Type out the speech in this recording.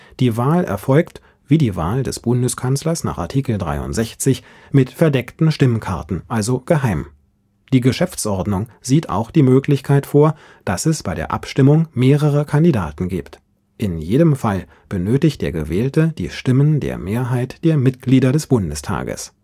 Die Wahl erfolgt – wie die Wahl des Bundeskanzlers nach Artikel 63 – mit verdeckten Stimmkarten, also geheim. Die Geschäftsordnung sieht auch die Möglichkeit vor, dass es bei der Abstimmung mehrere Kandidaten gibt. In jedem Fall benötigt der Gewählte die Stimmen der Mehrheit der Mitglieder des Bundestages